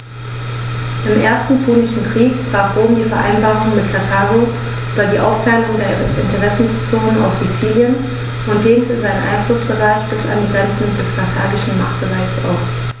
Im Ersten Punischen Krieg brach Rom die Vereinbarung mit Karthago über die Aufteilung der Interessenzonen auf Sizilien und dehnte seinen Einflussbereich bis an die Grenze des karthagischen Machtbereichs aus.